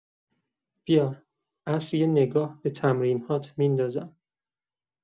بیار، عصر یه نگاه به تمرین‌هات می‌اندازیم.